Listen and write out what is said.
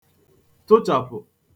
tụchàpụ̀